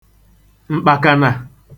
m̀kpàkànà